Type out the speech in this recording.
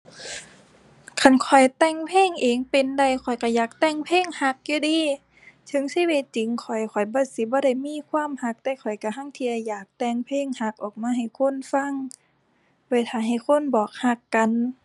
คันข้อยแต่งเพลงเองเป็นได้ ข้อยก็อยากแต่งเพลงก็อยู่เดะ ถึงชีวิตจริงข้อย ข้อยบ่สิ บ่ได้มีความก็ แต่ข้อยก็หั้นเที่ยอยากแต่งเพลงก็ออกมาให้คนฟัง ไว้ท่าให้คนบอกก็กัน